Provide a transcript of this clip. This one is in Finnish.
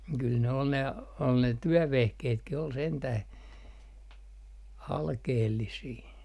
kyllä ne oli ne oli ne työvehkeetkin oli sentään alkeellisia